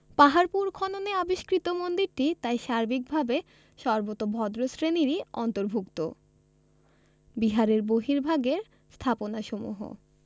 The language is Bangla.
পাহাড়পুর খননে আবিষ্কৃত মন্দিরটি তাই সার্বিক ভাবে সর্বোতভদ্র শ্রেণিরই অন্তর্ভুক্ত বিহারের বহির্ভাগের সহাপনাসমূহ